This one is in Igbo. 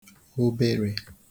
oberē